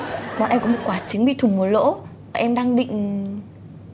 bọn em có một quả trứng bị thủng một lỗ bọn em đang định